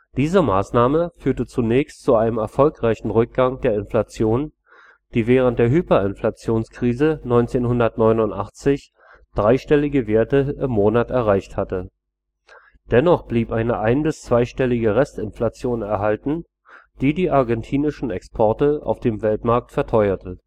Diese Maßnahme führte zunächst zu einem erfolgreichen Rückgang der Inflation, die während der Hyperinflationskrise 1989 dreistellige Werte im Monat erreicht hatte. Dennoch blieb eine ein - bis zweistellige Restinflation erhalten, die die argentinischen Exporte auf dem Weltmarkt verteuerte